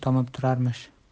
nur tomib turarmish